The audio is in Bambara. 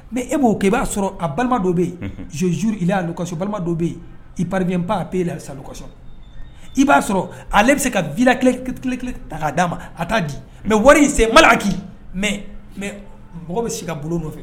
Mɛ e b'o kɛ i b'a sɔrɔ a balima dɔw bɛ yen zzuruurla kasɔ balima dɔw bɛ yen i ba pee la bɛ sa kosɔ i b'a sɔrɔ ale bɛ se ka v ta k' d di' ma di mɛ wari in sen maki mɛ mɛ mɔgɔ bɛ se ka bololon nɔfɛ